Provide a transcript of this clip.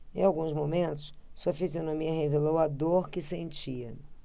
em alguns momentos sua fisionomia revelou a dor que sentia